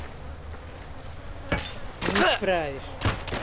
не исправишь